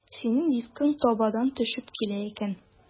Синең дискың табадан төшеп килә икән.